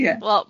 Ia.